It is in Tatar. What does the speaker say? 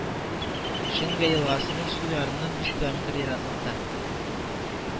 Шеньга елгасының сул ярыннан биш километр ераклыкта